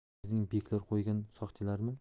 o'zimizning beklar qo'ygan soqchilarmi